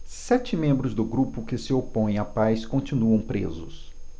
sete membros do grupo que se opõe à paz continuam presos